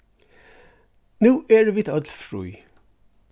nú eru vit øll frí